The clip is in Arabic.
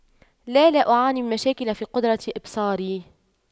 لا لا أعاني من مشاكل في قدرة ابصاري